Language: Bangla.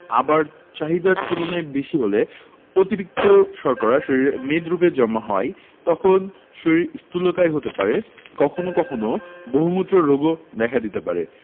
আবার চাহিদার তুলনায় বেশি হলে অতিরিক্ত শর্করা শরীরে মেদরুপে জমা হয় তখন শরীর স্থুলকায় হতে পারে কখনো কখনো বহুমূত্র রোগও দেখা দিতে পারে